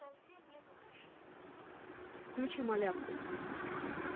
включи малявку